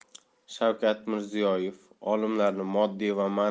shavkat mirziyoyev olimlarni moddiy va